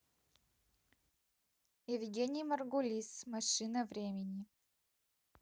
евгений маргулис машина времени